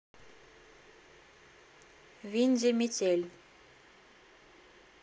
винди метель